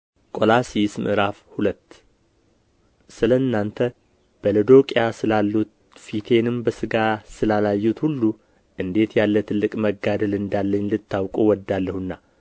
ቆላስይስ ምዕራፍ ሁለት ስለ እናንተና በሎዶቅያ ስላሉት ፊቴንም በሥጋ ስላላዩት ሁሉ እንዴት ያለ ትልቅ መጋደል እንዳለኝ ልታውቁ እወዳለሁና